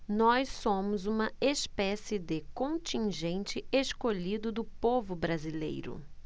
nós somos uma espécie de contingente escolhido do povo brasileiro